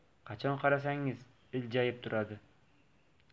qachon qarasangiz iljayib turadi